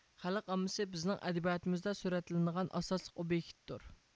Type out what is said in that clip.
خەلق ئاممىسى بىزنىڭ ئەدەبىياتىمىزدا سۈرەتلىنىدىغان ئاساسلىق ئوبيېكتتۇر